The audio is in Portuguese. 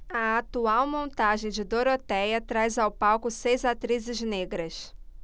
a atual montagem de dorotéia traz ao palco seis atrizes negras